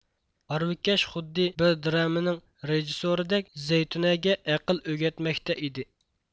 ھارۋىكەش خۇددى بىر دراممىنىڭ رېژىسسورىدەك زەيتۇنەگە ئەقىل ئۆگەتمەكتە ئىدى